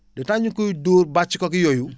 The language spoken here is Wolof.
le temps ñu koy dóor bàcc koog yooyu